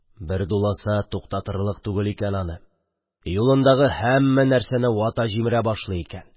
Бер дуласа, туктатырлык түгел икән аны, юлындагы һәммә нәрсәне вата-җимерә башлый икән ул.